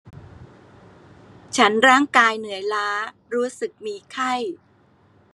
ฉันร่างกายเหนื่อยล้ารู้สึกมีไข้